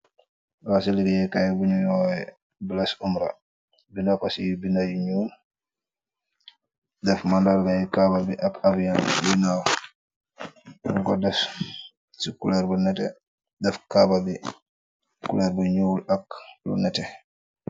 Waa ci liggéy kaay buñu yooy blessed umrah, binaqo ci yu binayu ñuul, def màndallay kaaba bi ak avien yinaw ngo des ci ulr bu nete , daf kaba bi kuleer bu ñuul ak lu nete.